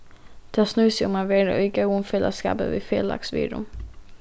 tað snýr seg um at vera í góðum felagsskapi við felags virðum